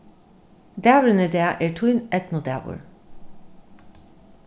dagurin í dag er tín eydnudagur